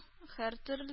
Һәртөрле